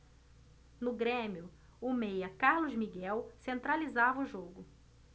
no grêmio o meia carlos miguel centralizava o jogo